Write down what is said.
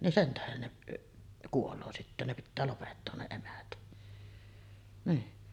niin sen tähden ne kuolee sitten ne pitää lopettaa ne niin